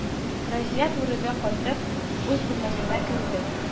Разия, бюродан кайтып, үз бүлмәсенә керде